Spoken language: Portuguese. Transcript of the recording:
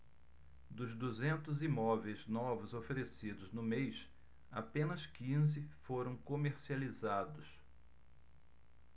dos duzentos imóveis novos oferecidos no mês apenas quinze foram comercializados